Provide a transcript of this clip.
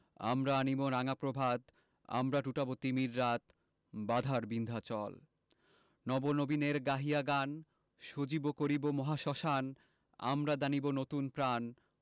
আমরা আনিব রাঙা প্রভাত আমরা টুটাব তিমির রাত বাধার বিন্ধ্যাচল নব নবীনের গাহিয়া গান সজীব করিব মহাশ্মশান আমরা দানিব নতুন প্রাণ